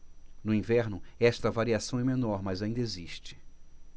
no inverno esta variação é menor mas ainda existe